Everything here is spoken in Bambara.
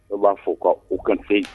O b'a fɔ k ka u kanfe yen